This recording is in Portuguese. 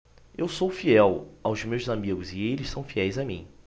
eu sou fiel aos meus amigos e eles são fiéis a mim